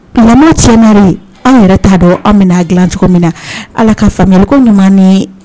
anw yɛrɛ t'a dɔn an bɛn'a dilan cogo min na, Ala ka faamuyaliko ɲuman ni